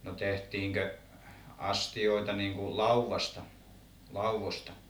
no tehtiinkö astioita niin kuin laudasta laudoista